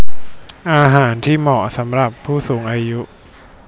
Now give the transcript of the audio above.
อาหารที่เหมาะสำหรับผู้สูงอายุ